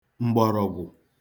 mgbọrọgwụ